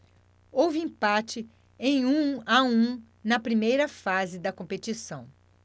houve empate em um a um na primeira fase da competição